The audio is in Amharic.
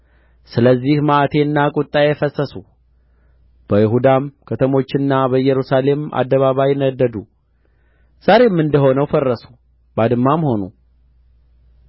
ስለዚህ መዓቴና ቍጣዬ ፈሰሱ በይሁዳም ከተሞችና በኢየሩሳሌም አደባባይ ነደዱ ዛሬም እንደ ሆነው ፈረሱ ባድማም ሆኑ